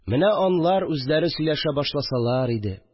Менә алар үзләре сөйләшә башласалар ид